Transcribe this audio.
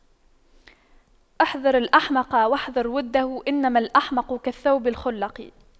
احذر الأحمق واحذر وُدَّهُ إنما الأحمق كالثوب الْخَلَق